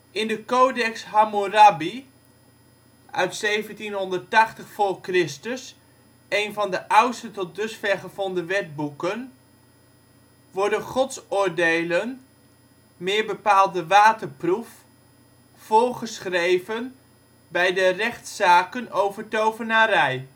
In de Codex Hammurabi (1780 v.Chr., één van de oudste tot dusver gevonden wetboeken) worden godsoordelen (meer bepaald de waterproef) voorgeschreven bij de rechtszaken over tovenarij